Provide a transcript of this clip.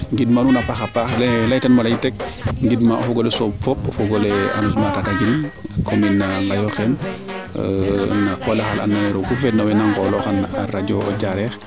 gid ma nuun a paaxa paax ne leytan ma leyit rek ngind ma fogole sooɓ fop fo o fogole arrodissement Tataguine commune :fran Ngayokhem na qolax xale ando naye roog fu feed na nuun way ngoloxan radio Diarekh